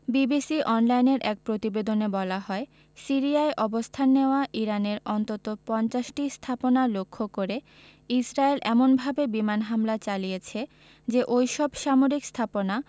BBC অনলাইনের এক প্রতিবেদনে বলা হয় সিরিয়ায় অবস্থান নেওয়া ইরানের অন্তত ৫০টি স্থাপনা লক্ষ্য করে ইসরায়েল এমনভাবে বিমান হামলা চালিয়েছে যে ওই সব সামরিক স্থাপনা